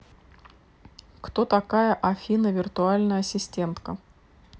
кто такая афина виртуальная ассистентка